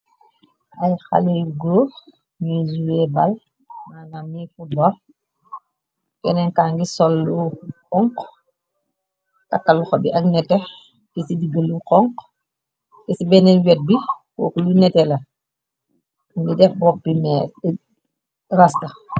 Ay xaleyi goor yu zue bal manam yi footbal, kenenka ngi sol lu xonku takka luxobi ak nete lii ci diggalu xonku, te ci benneen wet bi kook lu nete la ngi def bopbi mees, rasta.